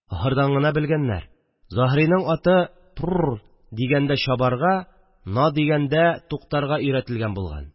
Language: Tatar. Ахырдан гына белгәннәр: Заһриның аты «тпру» дигәндә чабарга, «на» дигәндә туктарга өйрәтелгән булган